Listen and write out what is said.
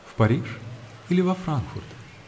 -- В Париж -- или во Франкфурт?